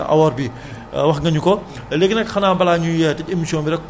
daanaka li ci ëpp ci loo xam ne war nañ ko war a mën a xam ci awoor bi